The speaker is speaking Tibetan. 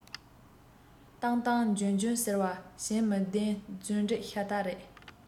བཏང བཏང འཇོན འཇོན ཟེར བ བྱིངས མི བདེན རྫུན སྒྲིག ཤ སྟག ཡིན